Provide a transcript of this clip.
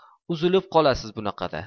uzilib qolasiz bunaqada